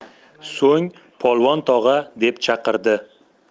so'ng polvon tog'a deb chaqirdi